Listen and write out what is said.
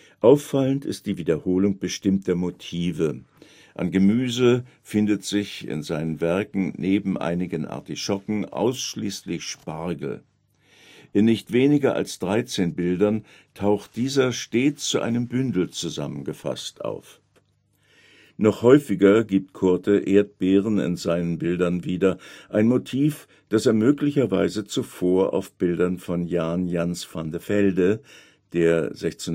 Auffallend ist die Wiederholung bestimmter Motive. An Gemüse findet sich in seinem Werk neben einigen Artischocken ausschließlich Spargel. In nicht weniger als 13 Bildern taucht dieser stets zu einem Bündel zusammengefasst auf. Noch häufiger gibt Coorte Erdbeeren in seinen Bildern wieder, ein Motiv, das er möglicherweise zuvor auf Bildern von Jan Jansz van de Velde (* 1620